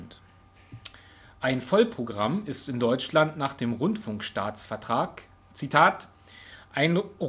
Ein Vollprogramm ist in Deutschland nach dem Rundfunkstaatsvertrag (RStV) „ ein Rundfunkprogramm